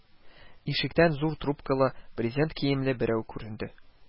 Ишектән зур трубкалы, брезент киемле берәү күренде: